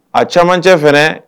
A camancɛ fɛ